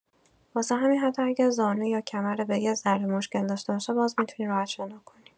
واسه همین حتی اگه زانو یا کمرت یه ذره مشکل داشته باشه، باز می‌تونی راحت شنا کنی.